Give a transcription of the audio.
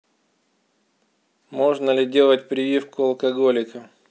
можно ли делать прививку алкоголикам